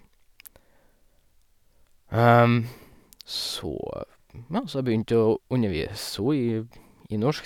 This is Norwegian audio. så Ja, så jeg begynte å undervise ho i i norsk.